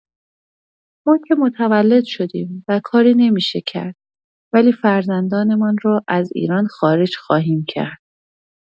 ما که متولد شدیم و کاری نمی‌شه کرد ولی فرزندانمان را از ایران خارج خواهیم کرد